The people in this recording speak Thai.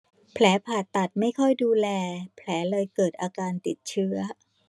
แผลผ่าตัดไม่ค่อยดูแลแผลเลยเกิดอาการติดเชื้อ